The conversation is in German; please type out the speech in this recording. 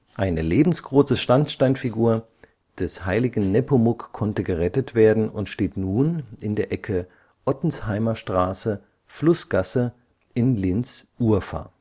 Eine lebensgroße Sandsteinfigur des Hl. Nepomuk konnte gerettet werden und steht nun in der Ecke Ottensheimerstraße - Flussgasse in Linz-Urfahr